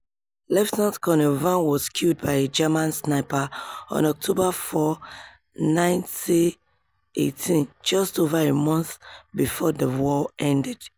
Lt Col Vann was killed by a German sniper on 4 October 1918 - just over a month before the war ended.